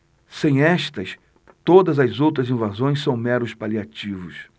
sem estas todas as outras invasões são meros paliativos